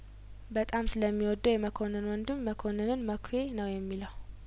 በጣም ስለሚ ወደው የመኮንን ወንድም መኮንንን መኳ ነው የሚለው